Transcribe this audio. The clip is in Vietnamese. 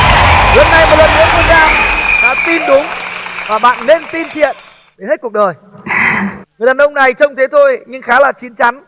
lần này một lần nữa thu trang đã tin đúng và bạn nên tin thiện đến hết cuộc đời người đàn ông này trông thế thôi nhưng khá là chín chắn